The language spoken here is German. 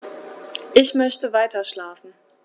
Ich möchte weiterschlafen.